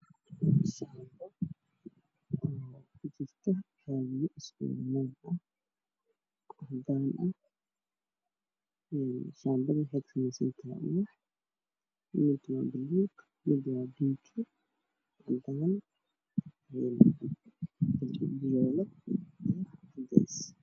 Guriga meshaan kaaga muuqda albaabkiisu waa gaduud daaqadihiisa waa buluug